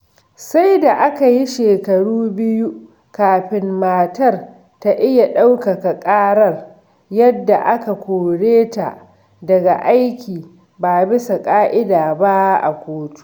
Sai da aka yi shekaru biyu kafin matar ta iya ɗaukaka ƙarar yadda aka kore ta daga aiki ba bisa ƙa'ida ba a kotu.